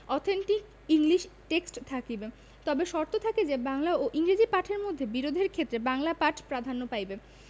authentic English text থাকিবে তবে শর্ত থাকে যে বাংলা ও ইংরেজী পাঠের মধ্যে বিরোধের ক্ষেত্রে বাংলা পাঠ প্রাধান্য পাইবে